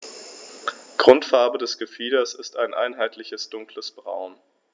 Grundfarbe des Gefieders ist ein einheitliches dunkles Braun.